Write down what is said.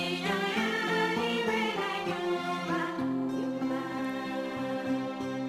Maa y'a'i kɛ diɲɛ tɛ diɲɛ laban